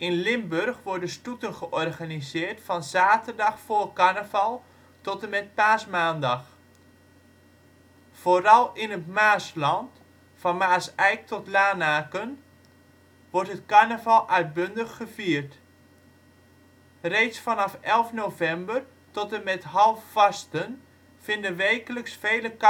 Limburg worden stoeten georganiseerd van zaterdag voor carnaval tot en met Paasmaandag. Vooral in het Maasland, van Maaseik tot Lanaken wordt het carnaval uitbundig gevierd. Reeds vanaf 11/11 tot en met half vasten vinden wekelijks vele carnavalsactiviteiten